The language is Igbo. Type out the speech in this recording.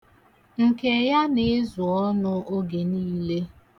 Nke ya na-ezu ọnụ oge niile.